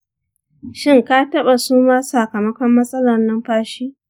shin ka taɓa suma sakamakon matsalar numfashi?